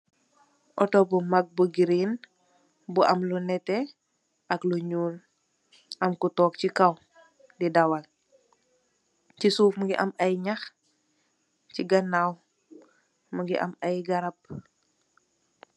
Oohtor bu mak bu girin bu am lu nehteh ak lu njull, am ku tok chi kaw dii dawal, cii suff mungy am aiiy njahh, cii ganaw mungy am aiiy garab.